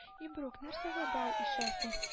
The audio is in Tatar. — ибрук, нәрсәгә бау ишәсең